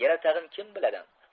yana tag'in kim biladi